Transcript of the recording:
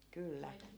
kyllä